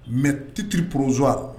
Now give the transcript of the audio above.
Mɛ titiriri purrozowa